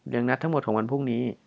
เรียงนัดทั้งหมดของวันพรุ่งนี้